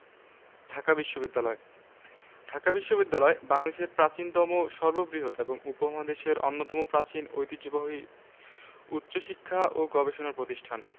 ঢাকা বিশ্ববিদ্যালয় ঢাকা বিশ্ববিদ্যালয় বাংলাদেশের প্রাচীনতম সর্ববৃহৎ এবং উপমহাদেশের অন্যতম প্রাচীন ঐতিহ্যবাহী উচ্চশিক্ষা ও গবেষণা প্রতিষ্ঠান